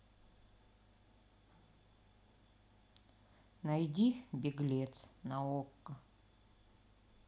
найди беглец на окко